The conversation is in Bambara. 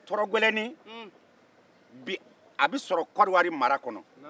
tɔrɔgɛlɛnin bi a bɛ sɔrɔ kɔnɔwari mara kɔnɔ